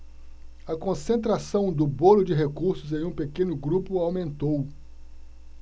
a concentração do bolo de recursos em um pequeno grupo aumentou